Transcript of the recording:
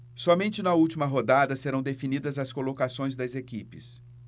somente na última rodada serão definidas as colocações das equipes